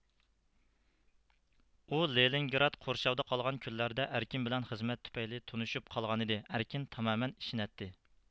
ئۇ لېنىنگراد قورشاۋدا قالغان كۈنلەردە ئەركىن بىلەن خىزمەت تۈپەيلى تونۇشۇپ قالغانىدى ئەركىن تامامەن ئىشىنەتتى